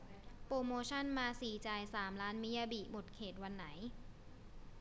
โปรโมชันมาสี่จ่ายสามร้านมิยาบิหมดเขตวันไหน